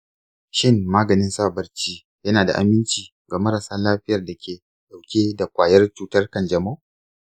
shin maganin sa barci yana da aminci ga marasa lafiyar da ke ɗauke da kwayar cutar kanjamau?